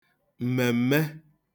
m̀mèm̀me